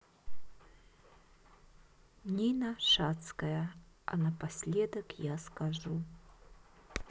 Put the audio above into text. нина шацкая а напоследок я скажу